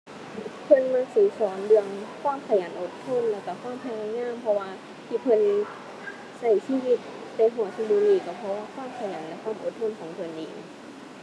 เพิ่นมักสิสอนเรื่องความขยันอดทน แล้วก็ความพยายาม เพราะว่าที่เพิ่นก็ชีวิตได้ฮอดซุมื้อนี้ก็เพราะว่าความขยันและความอดทนของเพิ่นเอง